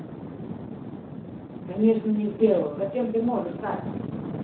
конечно не сделала зачем ты можешь так